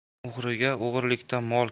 o'g'riga o'g'rilikdan mol